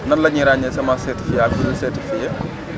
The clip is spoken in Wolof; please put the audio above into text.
nan la ñuy ràññee semence certifiée ak bu dul certifiée